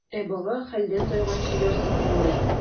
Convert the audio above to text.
Ә бала хәлдән тайганчы ярсып елый.